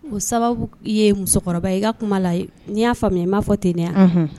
O sababu i ye musokɔrɔba i ka kuma la n'i y'a faamuya i m'a fɔ tɛɛnɛn